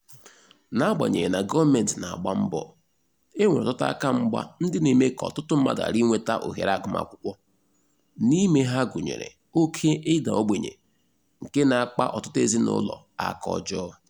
N'agbanyeghị na gọọmenti na-agba mbọ, e nwere ọtụtụ akamgba ndị na-eme ka ọtụtụ mmadụ ghara inweta ohere agụmakwụkwọ, n'ime ha gụnyere oké ịda ogbenye nke na-akpa ọtụtụ ezinaụlọ aka ọjọọ.